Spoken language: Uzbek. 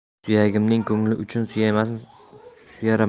suyganimning ko'ngli uchun suymasimni suyarman